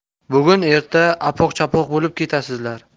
bugun erta apoq chapoq bo'lib ketasizlar